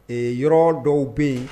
Ee yɔrɔ dɔw bɛ yen